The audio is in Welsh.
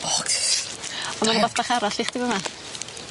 Ocê de-... A ma' 'na wbath bach arall i chdi fy' 'ma.